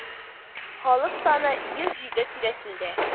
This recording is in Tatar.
Халык саны йөз җиде тирәсендә